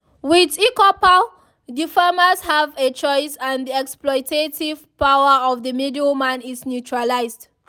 With eChoupal, the farmers have a choice and the exploitative power of the middleman is neutralised.